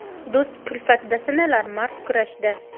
do'st kulfatda sinalar mard kurashda